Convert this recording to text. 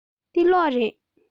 འདི གློག རེད